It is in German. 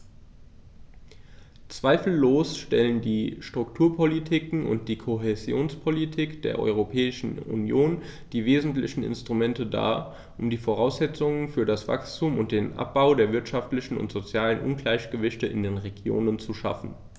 Zweifellos stellen die Strukturpolitiken und die Kohäsionspolitik der Europäischen Union die wesentlichen Instrumente dar, um die Voraussetzungen für das Wachstum und den Abbau der wirtschaftlichen und sozialen Ungleichgewichte in den Regionen zu schaffen.